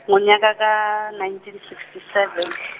ngonyaka ka, nineteen sixty seven.